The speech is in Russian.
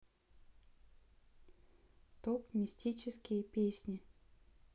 топ мистические песни